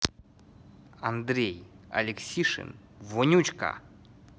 андрей алексишин вонючка